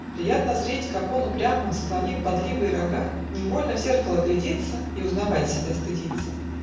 Приятно зреть, как он, упрямо Склонив бодливые рога, Невольно в зеркало глядится И узнавать себя стыдится